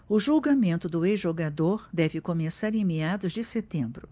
o julgamento do ex-jogador deve começar em meados de setembro